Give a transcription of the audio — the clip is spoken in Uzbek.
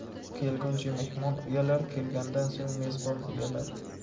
kelguncha mehmon uyalar kelgandan so'ng mezbon uyalar